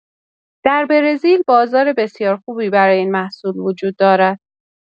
در برزیل بازار بسیار خوبی برای این محصول وجود دارد.